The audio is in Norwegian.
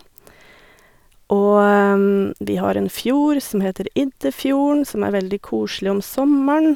Og vi har en fjord som heter Iddefjorden, som er veldig koselig om sommeren.